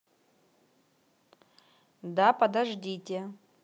да подождите